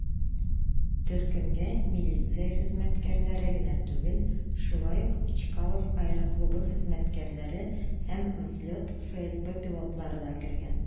Төркемгә милиция хезмәткәрләре генә түгел, шулай ук Чкалов аэроклубы хезмәткәрләре һәм "Взлет" ФСБ пилотлары да кергән.